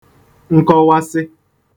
nkọwasị